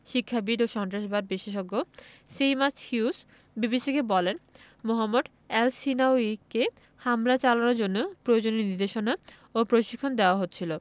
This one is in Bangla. শিক্ষাবিদ ও সন্ত্রাসবাদ বিশেষজ্ঞ সেইমাস হিউজ বিবিসিকে বলেন মোহাম্মদ এলসহিনাউয়িকে হামলা চালানোর জন্য প্রয়োজনীয় নির্দেশনা ও প্রশিক্ষণ দেওয়া হচ্ছিল